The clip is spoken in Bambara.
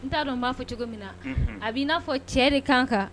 N t'a dɔn n b'a fɔ cogo min na a bɛ n'a fɔ cɛ de kan kan